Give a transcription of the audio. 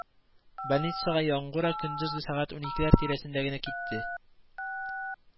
Больницага Яңгура көндезге сәгать уникеләр тирәсендә генә китте